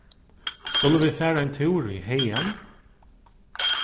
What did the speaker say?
skulu vit fara ein túr í hagan